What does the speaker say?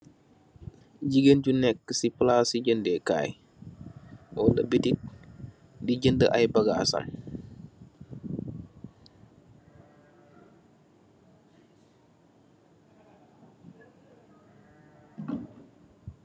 Jigeen ju neka si palaci jangeh kai omnabiti di genda ay bagassam.